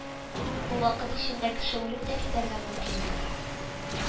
Бу вакыт эчендә кеше үлеп тә китәргә мөмкин бит